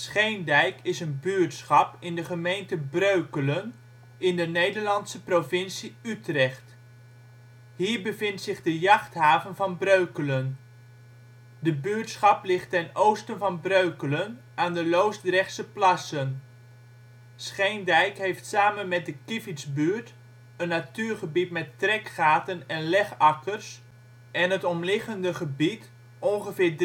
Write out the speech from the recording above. Scheendijk is een buurtschap in de gemeente Breukelen in de Nederlandse provincie Utrecht. Hier bevindt zich de jachthaven van Breukelen. De buurtschap ligt ten oosten van Breukelen, aan de Loosdrechtse Plassen. Scheendijk heeft samen met de Kievitsbuurt, een natuurgebied met trekgaten en legakkers, en het omliggende gebied ongeveer